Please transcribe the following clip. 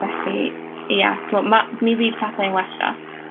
Felly, ia, t'mo', ma' mi fydd pethau yn wella.